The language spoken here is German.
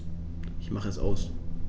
Ich mache es aus.